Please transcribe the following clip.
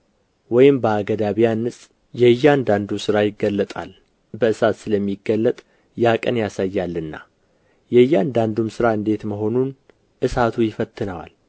ወይም በአገዳ ቢያንጽ የእያንዳንዱ ሥራ ይገለጣል በእሳት ስለሚገለጥ ያ ቀን ያሳያልና የእያንዳንዱም ሥራ እንዴት መሆኑን እሳቱ ይፈትነዋል